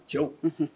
Cɛw